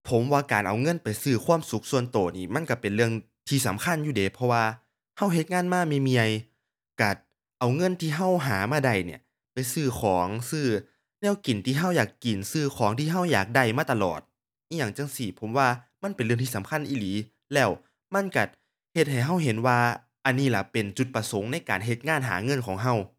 ผมว่าการเอาเงินไปซื้อความสุขส่วนตัวนี่มันตัวเป็นเรื่องที่สำคัญอยู่เดะ เพราะว่า ตัวเฮ็ดงานมาเมื่อยเมื่อย ตัวเอาเงินที่ตัวหามาได้เนี่ย ไปซื้อของซื้อแนวกินที่ตัวอยากกิน ซื้อของที่ตัวอยากได้มาตลอด อิหยังจั่งซี้ผมว่ามันเป็นเรื่องที่สำคัญอีหลี แล้วมันตัวเฮ็ดให้ตัวเห็นว่า อันนี้ล่ะเป็นจุดประสงค์ในการเฮ็ดงานหาเงินของตัว